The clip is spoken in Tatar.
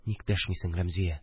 Ник дәшмисең, Рәмзия?